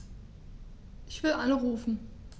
Ich will anrufen.